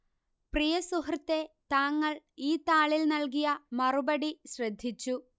പ്രിയ സുഹൃത്തേ താങ്കൾ ഈ താളിൽ നൽകിയ മറുപടി ശ്രദ്ധിച്ചു